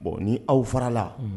Bon ni aw farala